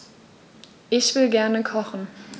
Ich will gerne kochen.